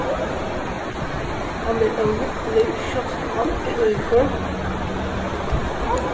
hann er ólukkuligur sjálvt um hann er ríkur